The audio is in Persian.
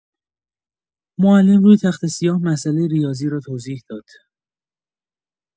معلم روی تخته‌سیاه مسئله ریاضی را توضیح داد.